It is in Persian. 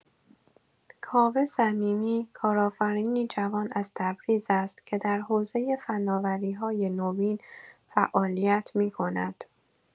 کاوه صمیمی کارآفرینی جوان از تبریز است که در حوزه فناوری‌های نوین فعالیت می‌کند.